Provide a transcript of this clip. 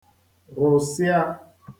-rụsịa